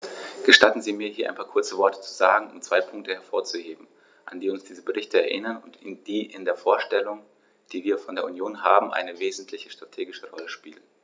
Gestatten Sie mir, hier ein paar kurze Worte zu sagen, um zwei Punkte hervorzuheben, an die uns diese Berichte erinnern und die in der Vorstellung, die wir von der Union haben, eine wesentliche strategische Rolle spielen.